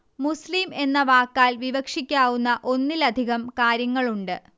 മുസ്ലിം എന്ന വാക്കാൽ വിവക്ഷിക്കാവുന്ന ഒന്നിലധികം കാര്യങ്ങളുണ്ട്